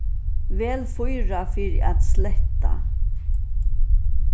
vel fýra fyri at sletta